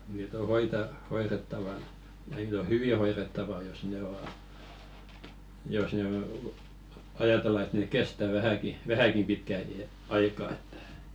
niitä on - hoidettavana niitä on hyvin hoidettava jos ne on jos ne ajatellaan että ne kestää vähänkin vähänkin pitkän iän aikaa että